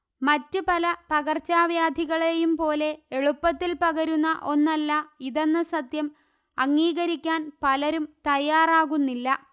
മറ്റ് പല പകർച്ചവ്യാധികളെയും പോലെ എളുപ്പത്തിൽ പകരുന്ന ഒന്നല്ല ഇതെന്ന സത്യം അംഗീകരിക്കാൻപലരും തയ്യാറാകുന്നില്ല